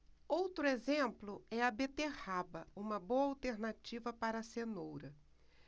outro exemplo é a beterraba uma boa alternativa para a cenoura